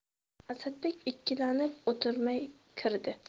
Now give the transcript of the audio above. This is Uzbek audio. asadbek ikkilanib o'tirmay kirdi